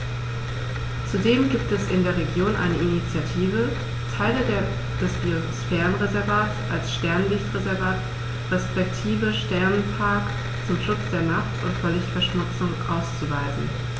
Zudem gibt es in der Region eine Initiative, Teile des Biosphärenreservats als Sternenlicht-Reservat respektive Sternenpark zum Schutz der Nacht und vor Lichtverschmutzung auszuweisen.